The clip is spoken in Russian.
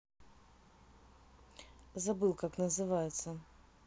забыл как называется